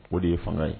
O de ye fanga ye